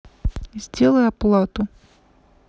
сделай оплату